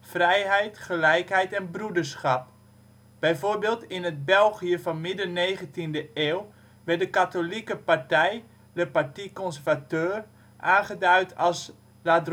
vrijheid, gelijkheid en broederschap. Bijvoorbeeld in het België van midden 19de eeuw werd de katholieke " partij " (le parti conservateur) aangeduid als " la